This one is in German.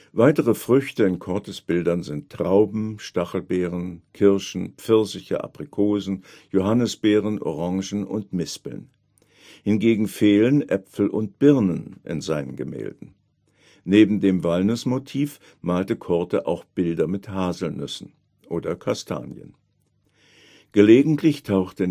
Weitere Früchte in Coortes Bildern sind Trauben, Stachelbeeren, Kirschen, Pfirsiche, Aprikosen, Johannisbeeren, Orangen und Mispeln. Hingegen fehlen Äpfel und Birnen in seinen Gemälden. Neben dem Walnussmotiv malte Coorte auch Bilder mit Haselnüssen oder Kastanien. Gelegentlich taucht